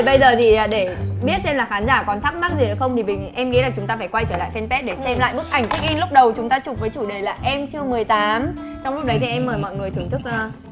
bây giờ thì để biết xem là khán giả còn thắc mắc gì không thì em nghĩ là chúng ta phải quay trở lại phan pết để xem lại bức ảnh chếch in lúc đầu chúng ta chụp với chủ đề là em chưa mười tám trong lúc đấy thì em mời mọi người thưởng thức